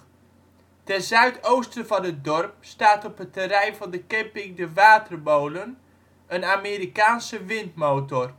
Ten zuidoosten van het dorp staat op het terrein van de camping De Watermolen een Amerikaanse windmotor